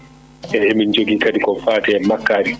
eyyi emin jogui kadi ko fate makkari